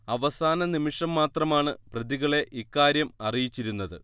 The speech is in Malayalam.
അവസാന നിമിഷം മാത്രമാണ് പ്രതികളെ ഇക്കാര്യം അറിയിച്ചിരുന്നത്